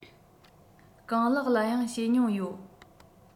རྐང ལག ལ ཡང བྱེད མྱོང ཡོད